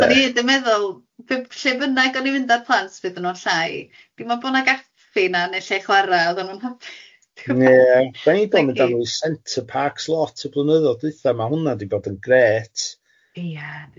...o'n i hyd yn meddwl be- lle bynnag o'n i'n mynd ar plant pe oddan nhw'n llai, dwi'm yn meddwl bod y gaffi na neu lle chwara oeddan nhw'n hy- Ie hapus... Dan ni wedi bod mynd arnyn nhw i centre parks lot y blynyddoedd dwytha, ma' hwnna wedi bod yn grêt... Ia.